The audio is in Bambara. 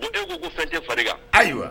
Ko e k kou ko fɛn den farin kan ayiwa